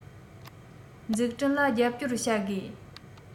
འཛུགས སྐྲུན ལ རྒྱབ སྐྱོར བྱ དགོས